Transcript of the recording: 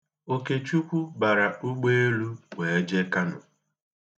Okechukwu bara ugbeelu wee je Kano.